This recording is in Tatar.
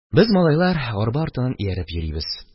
Без, малайлар, арба артыннан ияреп йөрибез